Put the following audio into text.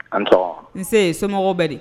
An nse somɔgɔw bɛ